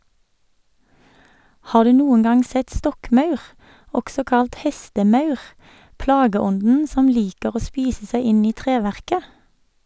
Har du noen gang sett stokkmaur, også kalt hestemaur, plageånden som liker å spise seg inn i treverket?